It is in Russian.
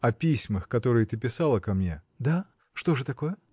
— О письмах, которые ты писала ко мне. — Да: что же такое?